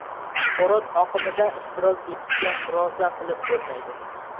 axborot oqimida ishtirok etishga murosa qilib bo'lmaydi